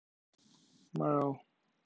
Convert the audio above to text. марал